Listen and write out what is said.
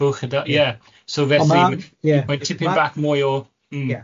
Buwch a da ie, so felly.... Ond ma' ie. ...mae tipyn bach mwy o mm